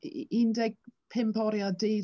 u- u- Undeg pump oriau y dydd?